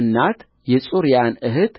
እናት የጽሩያን እኅት